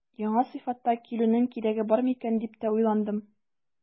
Яңа сыйфатта килүнең кирәге бар микән дип тә уйландым.